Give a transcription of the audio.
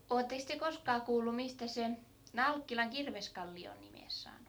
olettekos te koskaan kuullut mistä se Nalkkilan Kirveskallio on nimensä saanut